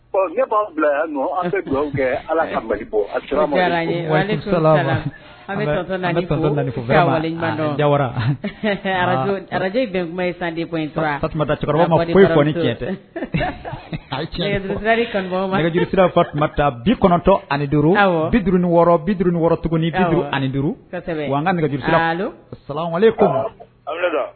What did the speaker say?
Bitɔ ani bi